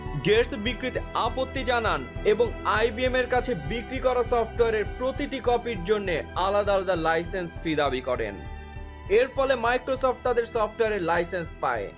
Gates বিক্রিতে আপত্তি জানান এবং আইবিএম এর কাছে বিক্রি করা সফটওয়্যার এর প্রতিটি কপির জন্যে আলাদা আলাদা লাইসেন্স ফি দাবি করেন এর ফলে মাইক্রোসফট তাদের সফটওয়্যারের লাইসেন্স পায়